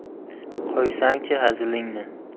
qo'ysangchi hazilingni